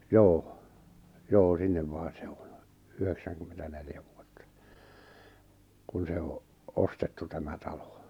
joo joo sinne main se on yhdeksänkymmentäneljä vuotta kun se on ostettu tämä talo